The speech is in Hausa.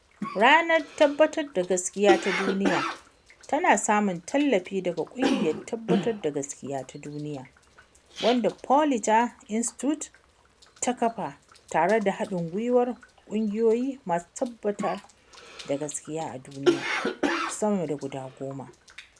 Ranar Tabbatar da Gaskiya ta Duniya tana samun tallafi daga Ƙungiyar Tabbatar da Gaskiya ta Duniya, wadda Poynter Institute ta kafa tare da haɗin gwiwar ƙungiyoyi masu tabbatar da gaskiya a duniya sama da guda goma.